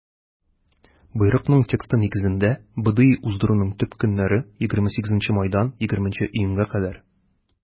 Боерыкның тексты нигезендә, БДИ уздыруның төп көннәре - 28 майдан 20 июньгә кадәр.